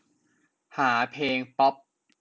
หาเพลงป๊อป